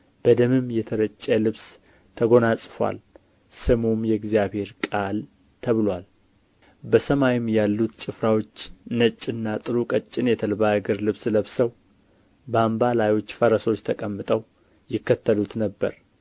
በደምም የተረጨ ልብስ ተጐናጽፎአል ስሙም የእግዚአብሔር ቃል ተብሎአል በሰማይም ያሉት ጭፍራዎች ነጭና ጥሩ ቀጭን የተልባ እግር ልብስ ለብሰው በአምባላዮች ፈረሶች ተቀምጠው ይከተሉት ነበር